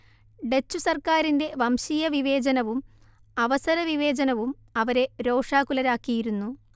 Dutch സർക്കാരിന്റെ വംശീയവിവേചനവും അവസരവിവേചനവും അവരെ രോഷാകുലരാക്കിയിരുന്നു